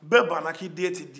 bɛɛ banna k'i den tɛ di